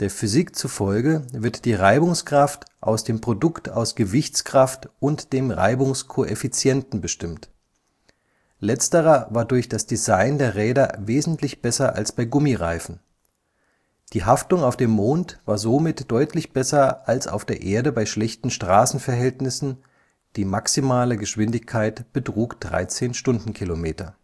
Physik zufolge wird die Reibungskraft aus dem Produkt aus Gewichtskraft und dem Reibungskoeffizienten bestimmt. Letzterer war durch das Design der Räder wesentlich besser als bei Gummireifen. Die Haftung auf dem Mond war somit deutlich besser als auf der Erde bei schlechten Straßenverhältnissen; die maximale Geschwindigkeit betrug 13 km/h